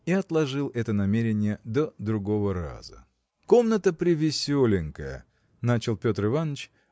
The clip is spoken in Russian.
и отложил это намерение до другого раза. – Комната превеселенькая – начал Петр Иваныч